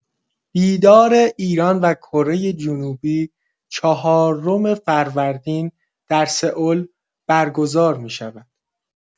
دیدار ایران و کره‌جنوبی چهارم فروردین در سئول برگزار می‌شود.